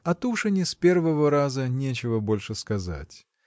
О Тушине с первого раза нечего больше сказать.